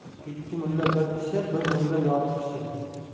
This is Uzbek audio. ikki mulla bir kishi bir mulla yorti kishi